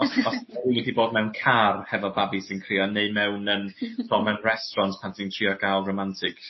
os os... Dwi 'di bod mewn car hefo babi sy'n crio neu mewn yn... . ...t'o' mewn resteraunt pan dwi'n trio ga'l romantic